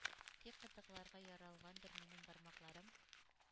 Тик кытыкларга яралгандыр минем бармакларым;